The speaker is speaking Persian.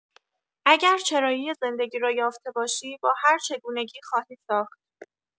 اگر چرایی زندگی را یافته باشی، با هر چگونگی خواهی ساخت.